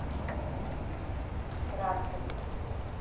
ранго